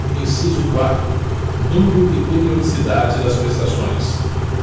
inciso quatro número e periodicidade das prestações